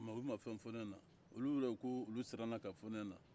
mɛ olu ma fɛn fɔ ne ɲɛna olu yɛrɛ k'olu siranna ka fɔ ne ɲɛna